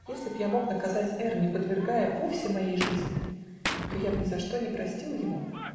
Если б я мог наказать Р***, не подвергая вовсе моей жизни, то я б ни за что не простил его.